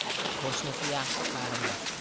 qo'shnisi yaxshi qarimas